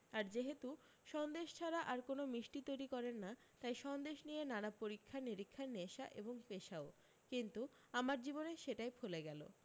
আর যেহেতু সন্দেশ ছাড়া আর কোনও মিস্টি তৈরী করেন না তাই সন্দেশ নিয়ে নানা পরীক্ষা নিরীক্ষা নেশা এবং পেশাও কিন্তু আমার জীবনে সেটাই ফলে গেল